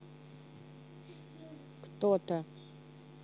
кто то